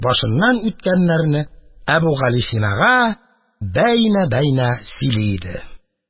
Башыннан үткәннәрне әбүгалисинага бәйнә-бәйнә сөйли иде.